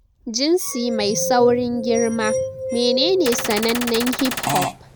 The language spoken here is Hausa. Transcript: Jinsi Mai Saurin Girma: Menene sanannen hip hop?